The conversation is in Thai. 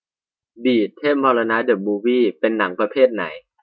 บลีชเทพมรณะเดอะมูฟวี่เป็นหนังประเภทไหน